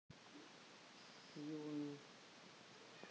юни